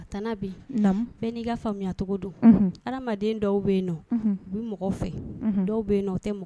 A bi bɛɛ n'i ka faamuyayacogo don adama dɔw bɛ yen nɔ u bɛ mɔgɔ fɛ dɔw bɛ yen nɔ tɛ